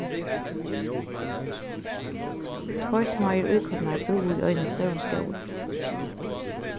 tveir smáir íkornar búðu í einum stórum skógi